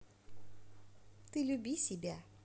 ты люби себя